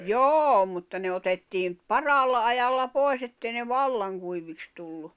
joo mutta ne otettiin parhaalla ajalla pois että ei ne vallan kuiviksi tullut